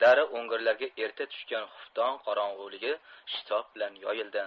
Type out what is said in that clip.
dara o'ngirlarga erta tushgan xufton qorong'iligi shitob bilan yoyildi